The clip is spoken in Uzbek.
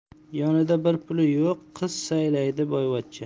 yonida bir puli yo'q qiz saylaydi boyvachcha